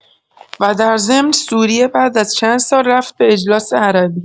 و در ضمن سوریه بعد از چند سال رفت به اجلاس عربی